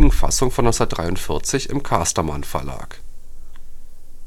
Fassung von 1943 im Casterman-Verlag. Die